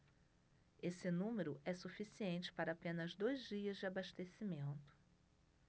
esse número é suficiente para apenas dois dias de abastecimento